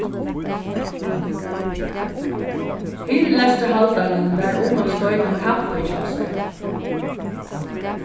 fyrilestrarhaldarin var um at stoyta kaffið hjá sær